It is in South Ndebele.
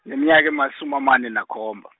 ngineminyaka emasumi amane nakhomba.